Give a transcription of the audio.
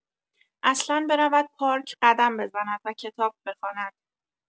اصلا برود پارک قدم بزند و کتاب بخواند.